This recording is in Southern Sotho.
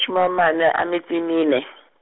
shome a mane a metso e mene.